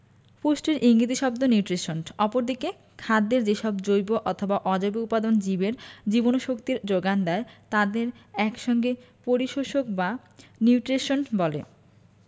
পুষ্টির ইংরেজি শব্দ নিউট্রিশন্ট অপরদিকে খাদ্যের যেসব জৈব অথবা অজৈব উপাদান জীবের জীবনীশক্তির যোগান দেয় তাদের এক সঙ্গে পরিপোষক বা নিউট্টেশন বলে